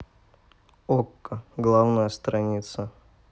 okko главная страница